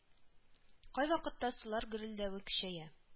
Кайвакытта сулар гөрелдәве көчәя